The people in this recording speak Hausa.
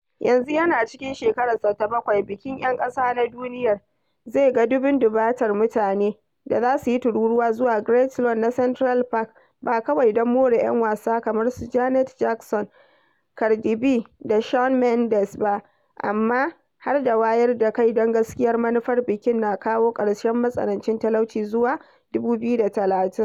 Yanzu yana cikin shekararsa ta bakwai, Bikin 'Yan Ƙasa na Duniyar zai ga dubun-dubatar ta mutane da za su yi tururuwa zuwa Great Lawn na Central Park ba kawai don more 'yan wasa kamar su Janet Jackson, Cardi B da Shawn Mendes ba, amma har da wayar da kai don gaskiyar manufar bikin na kawo ƙarshen matsanancin talauci zuwa 2030.